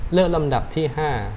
เลือกลำดับที่ห้า